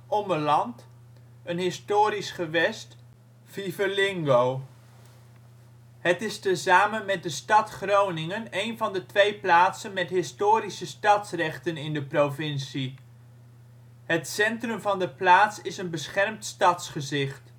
Ommeland (historisch gewest) Fivelingo. Het is tezamen met de stad Groningen een van de twee plaatsen met historische stadsrechten in de provincie. Het centrum van de plaats is een beschermd stadsgezicht